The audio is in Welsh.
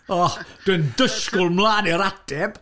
O, dwi'n disgwyl mlaen i'r ateb!